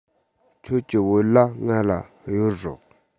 ཁྱོད ཀྱི བོད ལྭ ང ལ གཡོར རོགས